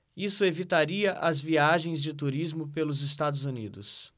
isso evitaria as viagens de turismo pelos estados unidos